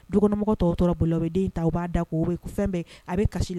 Dukɔnɔmɔgɔ tɔw tora bolo bɛden ta u b'a da'o bɛ ko fɛn bɛɛ a bɛ kasi